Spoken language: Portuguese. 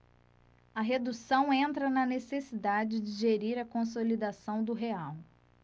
a redução entra na necessidade de gerir a consolidação do real